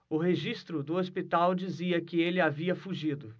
o registro do hospital dizia que ele havia fugido